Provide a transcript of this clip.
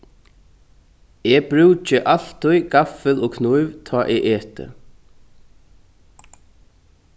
eg brúki altíð gaffil og knív tá eg eti